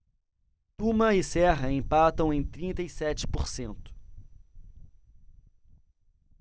tuma e serra empatam em trinta e sete por cento